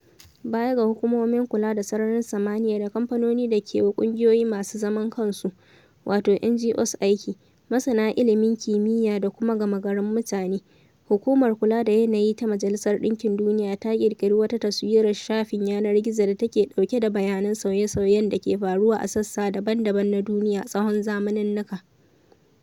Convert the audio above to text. Baya ga hukumomin kula da sararin samaniya da kamfanonin da kewa ƙungiyoyi masu zaman kansu, wato NGOs aiki, masana ilimin kimiyya da kuma gama garin mutane, Hukumar Kula da Yanayi ta Majalisar Ɗinkin Duniya ta ƙirƙiri wata taswirar shafin yanar gizo da take ɗauke da bayanan sauye-sauyen dake faruwa a sassa daban-daban na duniya tsawon zamaninnika.